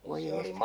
oi jestas